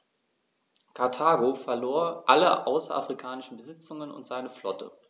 Karthago verlor alle außerafrikanischen Besitzungen und seine Flotte.